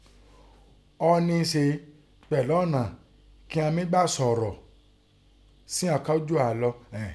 Ọ́ nẹ́ẹ́ se pẹ̀lú ọ̀nà kín a mí gbà sọ̀rọ̀ sí ìghan kọ́ jù á lọ